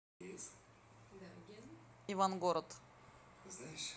ивангород